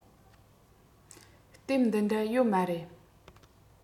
དེབ འདི འདྲ ཡོད མ རེད